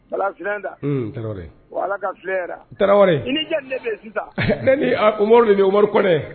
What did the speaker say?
Bala fi da tarawele wa ala kalen tarawele ni sisan ne ni bɛmari kɔnɛ